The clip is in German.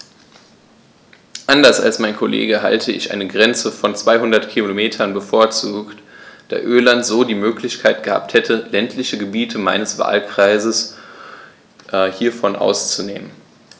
Anders als mein Kollege hätte ich eine Grenze von 200 km bevorzugt, da Irland so die Möglichkeit gehabt hätte, ländliche Gebiete meines Wahlkreises hiervon auszunehmen.